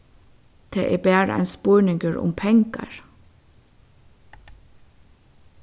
tað er bara ein spurningur um pengar